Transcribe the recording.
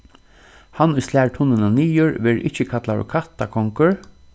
hann ið slær tunnuna niður verður ikki kallaður kattarkongur